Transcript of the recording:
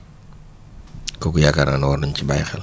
kooku yaakaar naa ne war nañ ci bàyyi xel